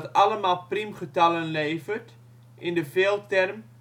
allemaal priemgetallen levert in de veelterm